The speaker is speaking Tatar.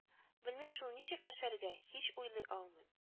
Белмим шул ничек әшәргә, һич уйлый алмыйм